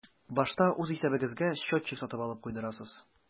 Башта үз исәбегезгә счетчик сатып алып куйдырасыз.